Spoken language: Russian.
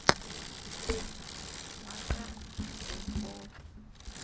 модерн бейсбол